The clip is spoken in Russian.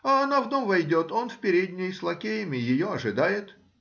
а она в дом войдет — он в передней с лакеями ее ожидает.